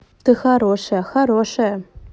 ты хорошая хорошая